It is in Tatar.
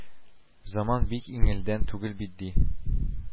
Заман бик иңелдән түгел бит, ди